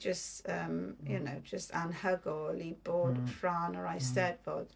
Jyst yym, you know, jyst anhygoel i bod yn rhan o'r Eisteddfod.